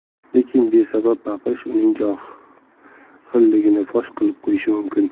lekin besabab baqirish uning johilligini fosh qilib qo'yishi mumkin